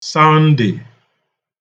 Sọndè